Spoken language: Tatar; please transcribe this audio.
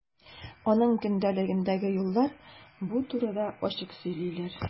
Аның көндәлегендәге юллар бу турыда ачык сөйлиләр.